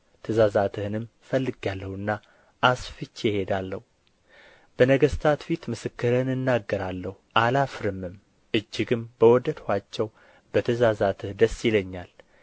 ትእዛዛትህንም ፈልጌአለሁና አስፍቼ እሄዳለሁ በነገሥታት ፊት ምስክርህን እናገራለሁ አላፍርምም እጅግም በወደድኋቸው በትእዛዛትህ ደስ ይለኛል